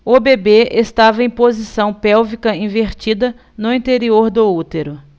o bebê estava em posição pélvica invertida no interior do útero